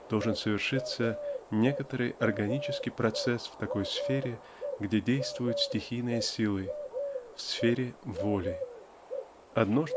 должен совершиться некоторый органический процесс в такой сфере где действуют стихийные силы -- в сфере воли. Одно